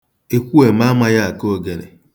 Ekwueme amaghị akụ ogene.